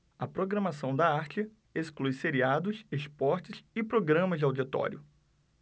a programação da arte exclui seriados esportes e programas de auditório